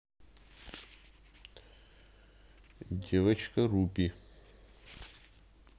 девочка руби